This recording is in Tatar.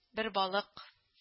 Бер балык